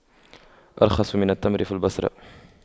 أرخص من التمر في البصرة